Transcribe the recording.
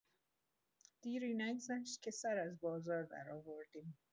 دیری نگذشت که سر از بازار درآوردیم.